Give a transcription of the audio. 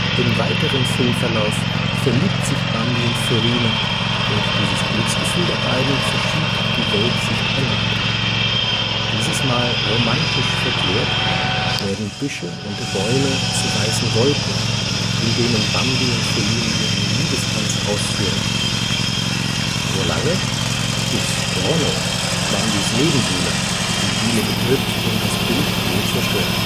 Im weiteren Filmverlauf verliebt sich Bambi in Feline, und dieses Glücksgefühl der Beiden verschiebt die Weltsicht erneut. Dieses Mal romantisch verklärt, werden Büsche und Bäume zu weißen Wolken, in denen Bambi und Feline ihren Liebestanz ausführen. So lange, bis Ronno, Bambis Nebenbuhler, die Bühne betritt und das Bild jäh zerstört